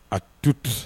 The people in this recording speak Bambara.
A tubi